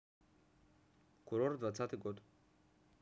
курорт двадцатый год